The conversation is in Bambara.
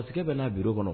Masakɛ bɛ'a bin bulon kɔnɔ